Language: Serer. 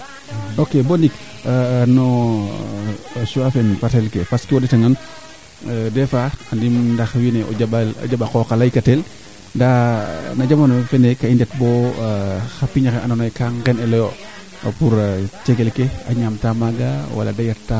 e ndax mbaang e laq tooxoyo keene koy maanam ga'a saate fee in fop in adin kaa teena xooxes fat i letna qeeña ke in letna yiifa ke in ga'a mee o kiina mbeerna suur wala me ci'oona o kiina pneu kee o ñakkaa maaga wañirang dara